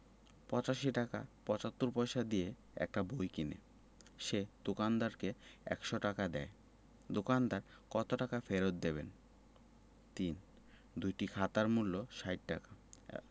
৮৫ টাকা ৭৫ পয়সা দিয়ে একটি বই কিনে সে দোকানদারকে ১০০ টাকা দেয় দোকানদার কত টাকা ফেরত দেবেন ৩ দুইটি খাতার মূল্য ৬০ টাকা